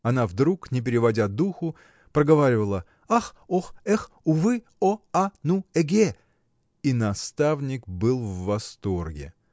– она вдруг, не переводя духу, проговаривала ах, ох, эх, увы, о, а, ну, эге! И наставник был в восторге.